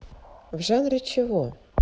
в жанре чего